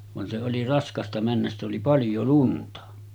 vaan se oli raskasta mennä sitä oli paljon lunta